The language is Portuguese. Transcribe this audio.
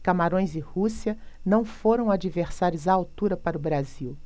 camarões e rússia não foram adversários à altura para o brasil